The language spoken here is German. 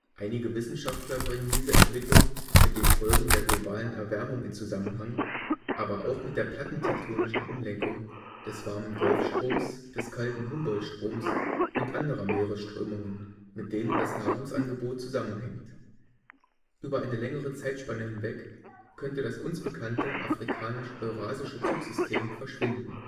Einige Wissenschaftler bringen diese Entwicklung mit den Folgen der globalen Erwärmung in Zusammenhang, aber auch mit der plattentektonischen Umlenkung des warmen Golfstroms, des kalten Humboldtstroms und anderer Meeresströmungen, mit denen das Nahrungsangebot zusammenhängt. Über eine längere Zeitspanne hinweg könnte das uns bekannte afrikanisch-eurasische Zugsystem verschwinden